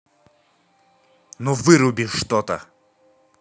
ну выруби что то